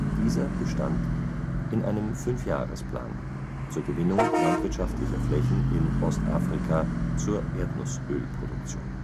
Dieser bestand in einem 5-Jahresplan zur Gewinnung landwirtschaftlicher Flächen in Ostafrika zur Erdnussölproduktion